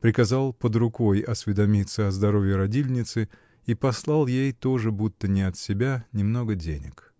приказал под рукой осведомиться о здоровье родильницы и послал ей, тоже будто не от себя, немного денег.